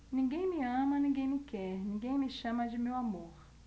ninguém me ama ninguém me quer ninguém me chama de meu amor